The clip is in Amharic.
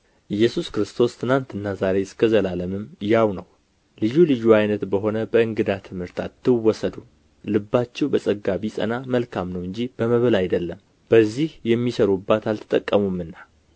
ኢየሱስ ክርስቶስ ትናንትና ዛሬ እስከ ለዘላለምም ያው ነው ልዩ ልዩ ዓይነት በሆነ በእንግዳ ትምህርት አትወሰዱ ልባችሁ በጸጋ ቢጸና መልካም ነው እንጂ በመብል አይደለም በዚህ የሚሠሩባት አልተጠቀሙምና